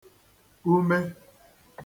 ume